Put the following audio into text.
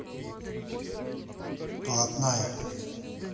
блатная